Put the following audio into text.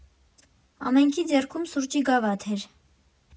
Ամենքի ձեռքում սուրճի գավաթ էր։